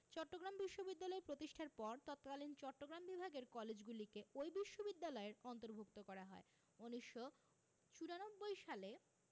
চট্টগ্রাম বিশ্ববিদ্যালয় প্রতিষ্ঠার পর তৎকালীন চট্টগ্রাম বিভাগের কলেজগুলিকে ওই বিশ্ববিদ্যালয়ের অন্তর্ভুক্ত করা হয় ১৯৯৪ সালে